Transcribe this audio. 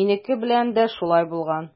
минеке белән дә шулай булган.